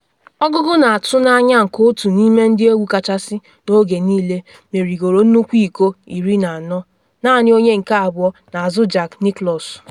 Ọgụgụ na atụ n’anya nke otu n’ime ndị egwu kachasị n’oge niile, merigoro nnukwu iko 14 naanị onye nke abụọ n’azụ Jack Nicklaus.